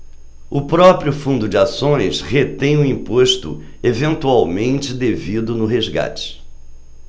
o próprio fundo de ações retém o imposto eventualmente devido no resgate